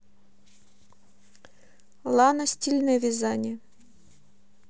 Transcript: лана стильное вязание